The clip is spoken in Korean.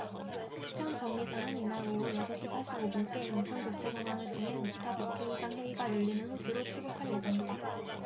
한편 정 의장은 이날 오후 여섯 시 사십 오 분께 인천국제공항을 통해 믹타 국회의장 회의가 열리는 호주로 출국할 예정이다